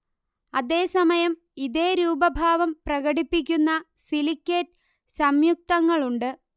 അതേ സമയം ഇതേ രൂപഭാവം പ്രകടിപ്പിക്കുന്ന സിലിക്കേറ്റ് സംയുക്തങ്ങളുണ്ട്